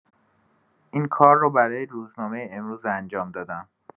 این کار رو برای روزنامۀ امروز انجام دادم.